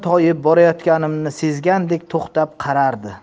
toyib borayotganimni sezgandek to'xtab qarardi